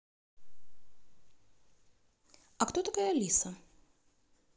а кто такая алиса